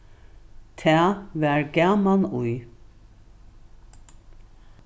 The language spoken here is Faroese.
tað var gaman í